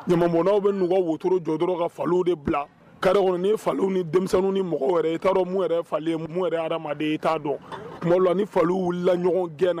Ɲamanbonnaw bi nu ka woororo jɔ dɔrɔn ka faliw de bila kare kɔnɔ. Ni ye faliw ni denmisɛnninw ni mɔgɔw yɛrɛ ye. I ta dɔn mun yɛrɛ ye fali ye mun yɛrɛ ye adamaden i ta dɔn . Tuma dɔw la ni faliw wulilala ɲɔgɔn gɛn na